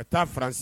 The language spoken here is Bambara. Ka taa fararansen